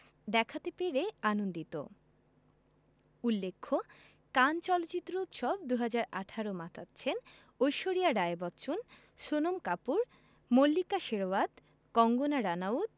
দেখাতে পেরে আনন্দিত উল্লেখ্য কান চলচ্চিত্র উৎসব ২০১৮ মাতাচ্ছেন ঐশ্বরিয়া রাই বচ্চন সোনম কাপুর মল্লিকা শেরওয়াত কঙ্গনা রানাউত